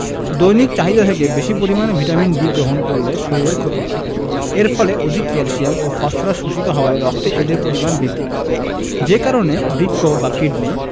দৈনিক চাহিদা থেকে বেশী পরিমাণে ভিটামিন D গ্রহণ করলে শরীরের ক্ষতি হয় এর ফলে অধিক ক্যালসিয়াম ও ফসফরাস শোষিত হওয়ায় রক্তে এদের পরিমাণ বৃদ্ধি পায় যে কারণে বৃক্ক বা কিডনি